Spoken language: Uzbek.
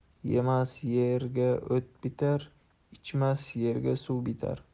yemas yerga o't bitar ichmas yerga suv bitar